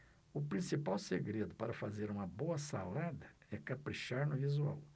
o principal segredo para fazer uma boa salada é caprichar no visual